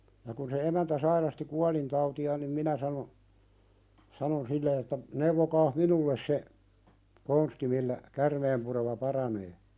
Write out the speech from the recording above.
ja kun se emäntä sairasti kuolintautiaan niin minä sanoin sanoin sille että neuvokaa minulle se konsti millä käärmeenpurema paranee